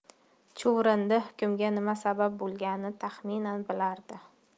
chuvrindi hukmga nima sabab bo'lganini taxminan bilardi